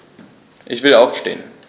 Ich will aufstehen.